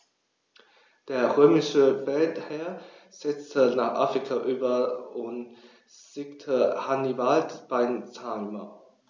Der römische Feldherr setzte nach Afrika über und besiegte Hannibal bei Zama.